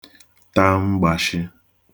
ta mgbashị